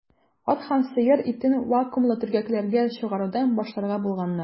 Ат һәм сыер итен вакуумлы төргәкләрдә чыгарудан башларга булганнар.